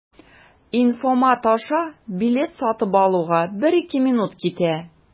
Инфомат аша билет сатып алуга 1-2 минут китә.